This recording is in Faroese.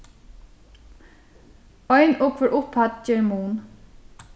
ein og hvør upphædd ger mun